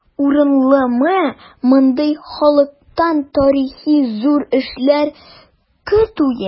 Урынлымы мондый халыктан тарихи зур эшләр көтүе?